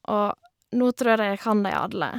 Og nå tror jeg jeg kan dem alle.